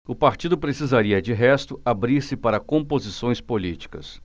o partido precisaria de resto abrir-se para composições políticas